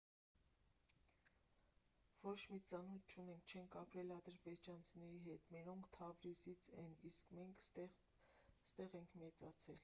Ոչ մի ծանոթ չունենք, չենք ապրել ադրբեջանցիների հետ, մերոնք Թավրիզից են, իսկ մենք ստեղ ենք մեծացել»։